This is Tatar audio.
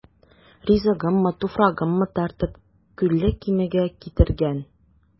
Ризыгыммы, туфрагыммы тартып, Күлле Кимегә китергән.